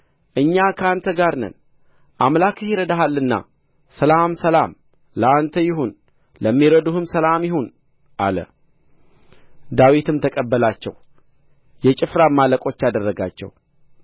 እኛ ከአንተ ጋር ነን አምላክህ ይረዳሃልና ሰላም ሰላም ለአንተ ይሁን ለሚረዱህም ሰላም ይሁን አለ ዳዊትም ተቀበላቸው የጭፍራም አለቆች አደረጋቸው